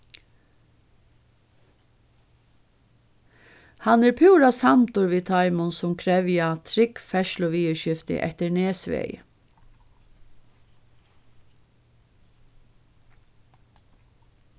hann er púra samdur við teimum sum krevja trygg ferðsluviðurskifti eftir nesvegi